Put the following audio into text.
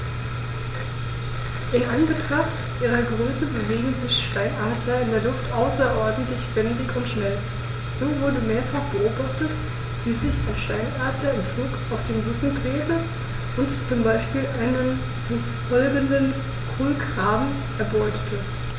In Anbetracht ihrer Größe bewegen sich Steinadler in der Luft außerordentlich wendig und schnell, so wurde mehrfach beobachtet, wie sich ein Steinadler im Flug auf den Rücken drehte und so zum Beispiel einen verfolgenden Kolkraben erbeutete.